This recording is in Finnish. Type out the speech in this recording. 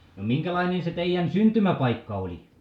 no minkälainen se teidän syntymäpaikka oli